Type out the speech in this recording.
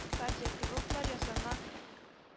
Кардиохирурглар ясалма